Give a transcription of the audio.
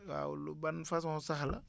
waaw lu ban façon sax la